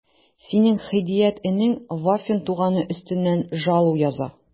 Синең Һидият энең Вафин туганы өстеннән жалу яза...